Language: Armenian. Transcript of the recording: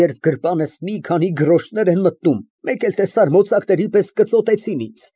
Երբ գրպանս մի քանի գրոշներ են մտնում, մեկ էլ տեսար մոծակների պես կծոտեցին ինձ։